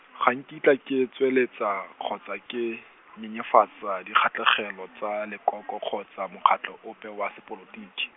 ga nkitla ke tsweletsa, kgotsa ke, nyenyefatsa dikgatlhegelo tsa lekoko kgotsa mokgatlho ope wa sepolotiki.